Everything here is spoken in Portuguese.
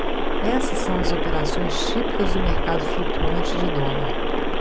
essas são as operações típicas do mercado flutuante de dólar